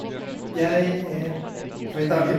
Jeg er fra Italia.